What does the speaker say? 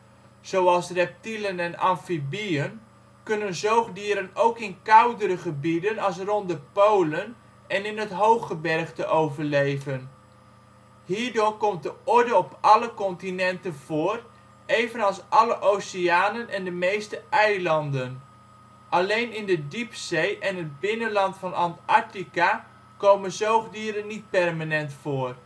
zoals reptielen en amfibieën, kunnen zoogdieren ook in koudere gebieden als rond de polen en in het hooggebergte overleven. Hierdoor komt de orde op alle continenten voor, evenals alle oceanen en de meeste eilanden. Alleen in de diepzee en het binnenland van Antarctica komen zoogdieren niet permanent voor